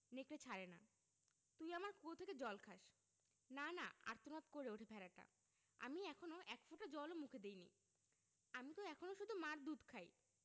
নেকড়ে ছাড়ে না তুই আমার কুয়ো থেকে জল খাস না না আর্তনাদ করে ওঠে ভেড়াটা আমি এখনো এক ফোঁটা জল ও মুখে দিইনি আমি ত এখনো শুধু মার দুধ খাই